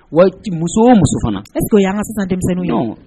Waati musow muso fana e ko yan ka san denmisɛnnin ɲɔgɔn